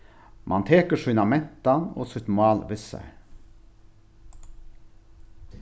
mann tekur sína mentan og sítt mál við sær